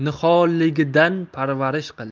desang niholligidan parvarish qil